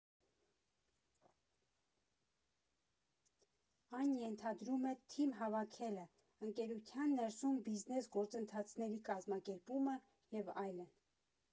Այն ենթադրում է թիմ հավաքելը, ընկերության ներսում բիզնես գործընթացների կազմակերպումը և այլն։